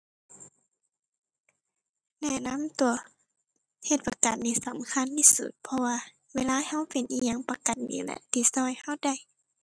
แนะนำตั่ว เฮ็ดประกันนี่สำคัญที่สุด เพราะว่าเวลาเราเป็นอิหยังประกันนี่แหละที่เราเราได้